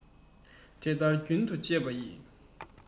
དེ ལྟར རྒྱུན དུ སྤྱད པ ཡིས